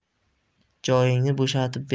joyingni bo'shatib ber